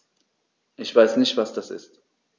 Ich weiß nicht, was das ist.